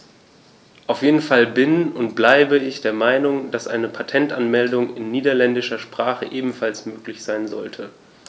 Auf jeden Fall bin - und bleibe - ich der Meinung, dass eine Patentanmeldung in niederländischer Sprache ebenfalls möglich sein sollte.